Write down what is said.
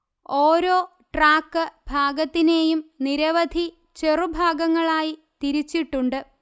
ഓരോ ട്രാക്ക് ഭാഗത്തിനെയും നിരവധി ചെറു ഭാഗങ്ങളായി തിരിച്ചിട്ടുണ്ട്